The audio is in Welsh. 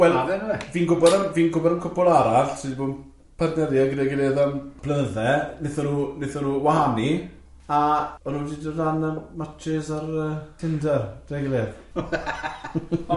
Wel, fi'n gwbod am fi'n gwbod am cwpl arall sydd wedi bod yn partneriau gyda'i gilydd am blynydde, wnaethon nhw wnaethon nhw wahanu, a o'n nhw'm wedi dod ran am matches ar yy Tinder, dai gilydd.